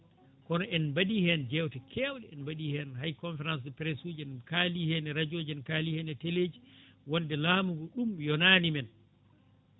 kono en mbaɗi hen jewte kewɗe en mbaɗi hen hayyi conférence de presse uji en kaali hen e radio ji en kaali hen e télé ji wonde laamu ngu ɗum yonani men